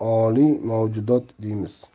eng oliy mavjudot deymiz